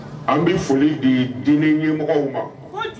An bɛ foli di diinɛ ɲɛmɔgɔ ma